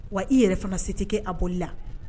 Wa i yɛrɛ fana se tɛ kɛ a bɔli la.